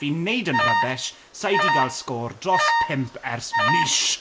Fi'n wneud yn rubbish sa i 'di gael sgôr dros pump ers mis.